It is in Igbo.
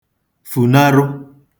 fùnarụ